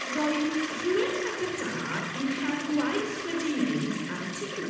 Roedd rhywun yn Aberdâr yn cael gwaith wedi'i wneud ar y tŷ.